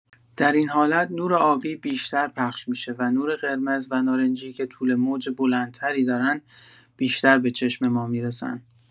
در این حالت، نور آبی بیشتر پخش می‌شه و نور قرمز و نارنجی که طول‌موج بلندتری دارن، بیشتر به چشم ما می‌رسن.